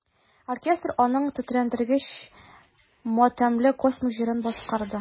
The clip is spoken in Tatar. Оркестр аның тетрәндергеч матәмле космик җырын башкарды.